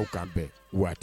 Ko k'an bɛn waati